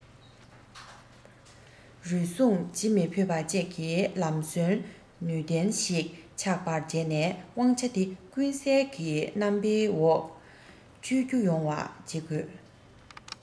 རུལ སུངས བྱེད མི ཕོད པ བཅས ཀྱི ལམ སྲོལ ནུས ལྡན ཞིག ཆགས པར བྱས ནས དབང ཆ དེ ཀུན གསལ གྱི རྣམ པའི འོག སྤྱོད རྒྱུ ཡོང བ བྱེད དགོས